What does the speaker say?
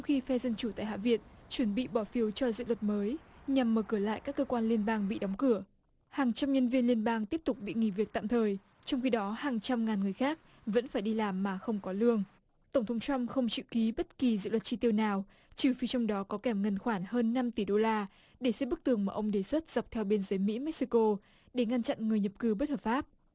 khi phe dân chủ tại hạ viện chuẩn bị bỏ phiếu cho dự luật mới nhằm mở cửa lại các cơ quan liên bang bị đóng cửa hàng trăm nhân viên liên bang tiếp tục bị nghỉ việc tạm thời trong khi đó hàng trăm ngàn người khác vẫn phải đi làm mà không có lương tổng thống trăm không chữ ký bất kỳ dự luật chi tiêu nào trừ phi trong đó có kèm ngần khoản hơn năm tỷ đô la để xây bức tường mà ông đề xuất dọc theo biên giới mỹ mê xi cô để ngăn chặn người nhập cư bất hợp pháp